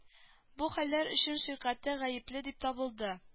Бу хәлләр өчен ширкәте гаепле дип табылды